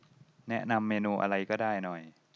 แนะนำเมนูอะไรก็ได้หน่อย